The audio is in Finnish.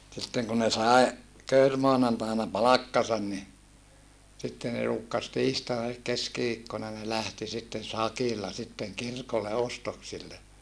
sitten kun ne sai kekrimaanantaina palkkansa niin sitten ne ruukasi tiistaina eli keskiviikkona ne lähti sitten sakilla sitten kirkolle ostoksille